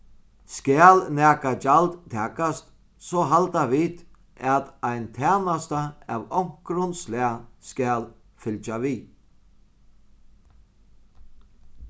skal nakað gjald takast so halda vit at ein tænasta av onkrum slag skal fylgja við